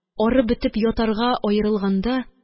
Арып бетеп ятарга аерылганда,